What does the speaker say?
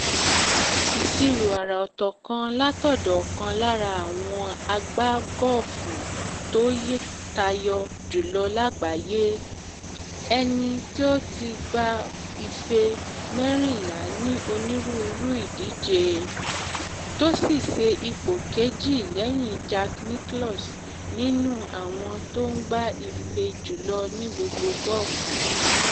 Ìṣirò àrà ọ̀tọ̀ kan látọ̀dọ̀ ọ̀kan lára àwọn agbágọ́ọ̀fù tó tayọ jùlọ lágbàáyé, ẹni tí ó ti gba ife 14 ní onírúurú ìdíje; tó sì ṣe ipò kejì lẹ́yìn Jack Nicklaus nínú àwọn tó ń gba ife jùlọ nínú gọ́ọ̀fù.